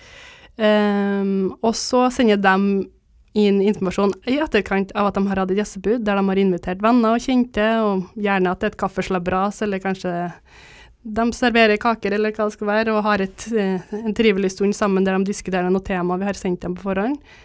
og så sender dem inn informasjon i etterkant av at dem har hatt et gjestebud der dem har invitert venner og kjente og gjerne at det er et kaffeslabberas eller kanskje dem serverer kaker eller hva det skal være og har et en trivelig stund sammen der dem diskuterer da noen temaer vi har sendt dem på forhånd.